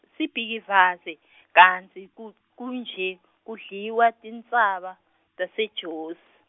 Sibhikivaze , kantsi ku- kunje, kudliwa, tintsaba, taseJozi?